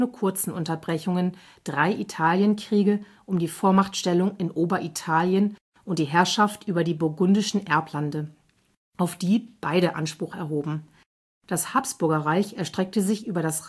kurzen Unterbrechungen drei Italienkriege um die Vormachtstellung in Oberitalien und die Herrschaft über die burgundischen Erblande, auf die beide Anspruch erhoben. Das Habsburgerreich erstreckte sich über das